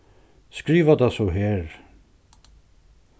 skriva tað so her